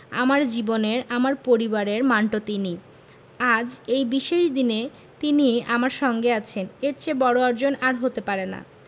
আমার জীবনের আমার পরিবারের মান্টো তিনি আজ এই বিশেষ দিনে তিনি আমার সঙ্গে আছেন এর চেয়ে বড় অর্জন আর হতে পারে না